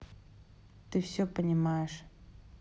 не все понимаешь